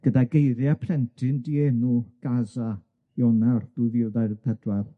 gyda geirie plentyn dienw Gaza Ionawr dwy fil dau ddeg pedwar,